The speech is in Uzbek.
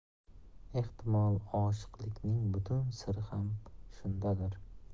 ehtimol oshiqlikning butun siri ham shundadir